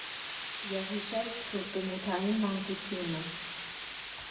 Եվ հիշել ցուրտումութային մանկությունը։